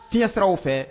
Fiɲin siraraw fɛ.